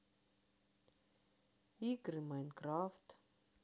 игры майнкрафт